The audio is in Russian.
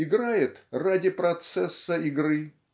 играет ради процесса игры